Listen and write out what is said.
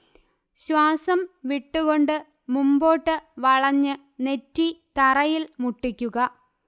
ശ്വാസം വിട്ടുകൊണ്ട് മുമ്പോട്ട് വളഞ്ഞ് നെറ്റി തറയിൽ മുട്ടിക്കുക